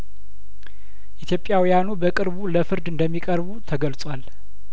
ኢትዮጵያውያኑ በቅርቡ ለፍርድ እንደሚቀርቡ ተገልጿል